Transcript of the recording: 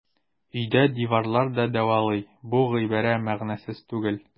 Өйдә диварлар да дәвалый - бу гыйбарә мәгънәсез түгел.